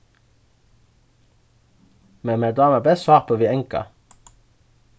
men mær dámar best sápu við anga